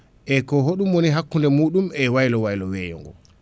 eko hoɗum woni hakkude muɗum e waylo waylo weeyo ndo